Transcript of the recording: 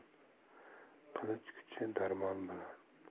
qilich kuchi darmon bilan